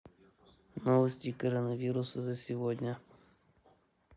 новости коронавируса за сегодня